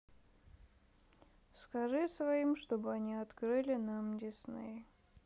скажи своим чтобы они открыли нам дисней